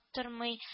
Тормый